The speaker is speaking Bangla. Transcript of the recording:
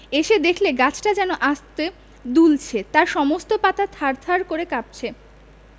এসে দেখলে গাছটা যেন আস্তে দুলছে তার সমস্ত পাতা থারথার করে কাঁপছে